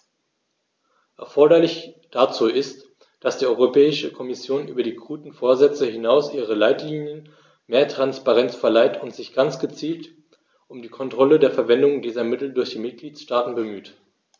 Erforderlich dazu ist, dass die Europäische Kommission über die guten Vorsätze hinaus ihren Leitlinien mehr Transparenz verleiht und sich ganz gezielt um die Kontrolle der Verwendung dieser Mittel durch die Mitgliedstaaten bemüht.